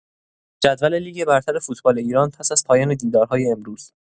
جدول لیگ برتر فوتبال ایران پس‌از پایان دیدارهای امروز